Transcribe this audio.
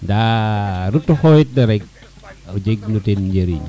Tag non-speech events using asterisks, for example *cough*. *music* ndaa ruta xoxitna rek a jeg npo te njiriñ